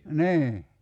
niin